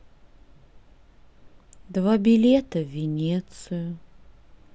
два билета в венецию